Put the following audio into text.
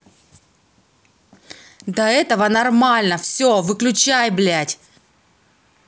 до этого нормально все выключай блядь